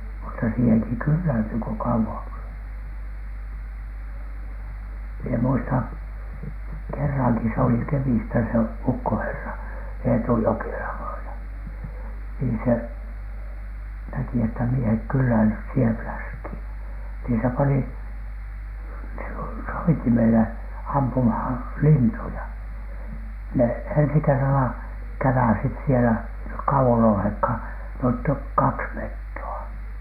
mutta siihenkin kyllästyy kun kauan - minä muistan kerrankin se oli Kemistä se ukkoherra Eetu Jokela vainaa niin se näki että miehet kyllästyivät siihen läskiin niin se pani - soitimelle ampumaan lintuja ne ensi kerralla käväisivät siellä ei ne kauan olleetkaan ne toivat kaksi metsoa